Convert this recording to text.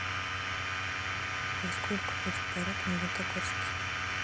во сколько будет парад в магнитогорске